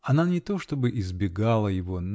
Она не то, чтобы избегала его.